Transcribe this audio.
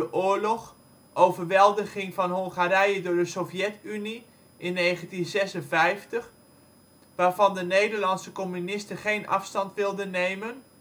Oorlog; overweldiging van Hongarije door de Sovjet-Unie in 1956, waarvan de Nederlandse communisten geen afstand wilden nemen